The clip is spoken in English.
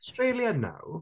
Australian now?